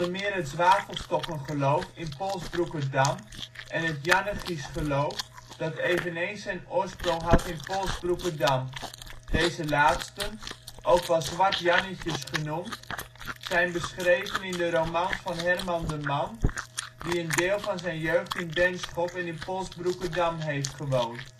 meer het zwavelstokkengeloof in Polsbroekerdam en het Jannegiesgeloof, dat eveneens zijn oorsprong had in Polsbroekerdam. Deze laatsten, ook wel zwartjannetjes genoemd, zijn beschreven in de romans van Herman de Man, die een deel van zijn jeugd in Benschop en in Polsbroekerdam heeft gewoond